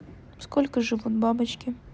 сколько живут бабочки